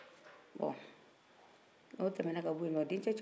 n'o tɛmɛna ka bɔ yen den cɛ cɛ wolonfila in kɔnin bɛɛ y'i ka sigi kɛ sa wo